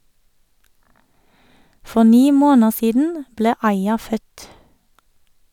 For ni måneder siden ble Aia født.